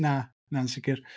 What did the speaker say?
Na, na yn sicr.